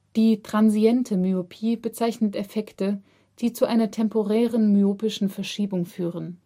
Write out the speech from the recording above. Die Transiente Myopie bezeichnet Effekte, die zu einer temporären myopischen Verschiebung führen